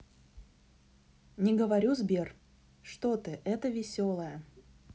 не говорю сбер что ты это веселая